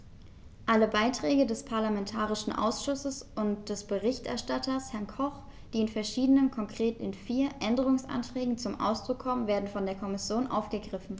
Alle Beiträge des parlamentarischen Ausschusses und des Berichterstatters, Herrn Koch, die in verschiedenen, konkret in vier, Änderungsanträgen zum Ausdruck kommen, werden von der Kommission aufgegriffen.